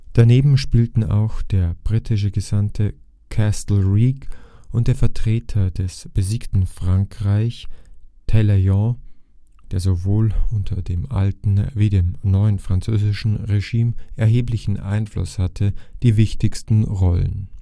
Daneben spielten auch der britische Gesandte Castlereagh und der Vertreter des besiegten Frankreich, Talleyrand, der sowohl unter dem alten wie dem neuen französischen Regime erheblichen Einfluss hatte, die wichtigsten Rollen